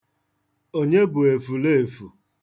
Onye bụ efuleefu?